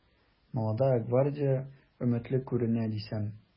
“молодая гвардия” өметле күренә дисәм...